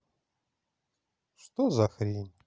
что за хрень